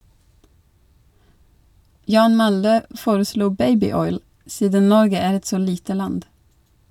Jan Malde foreslo "Babyoil", siden Norge er et så lite land.